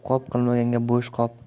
qop qilmaganga bo'sh qop